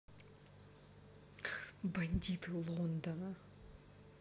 бандиты лондона